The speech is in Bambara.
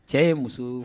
Cɛ ye muso